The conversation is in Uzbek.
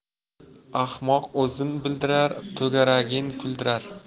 ahmoq o'zin bildirar to'garagin kuldirar